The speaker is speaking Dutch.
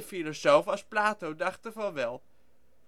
filosofen als Plato dachten van wel.